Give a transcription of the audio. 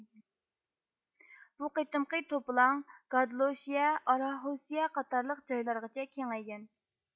بۇ قېتىمقى توپىلاڭ گادلوشىيە ئاراخوسىيە قاتارلىق جايلارغىچە كېڭەيگەن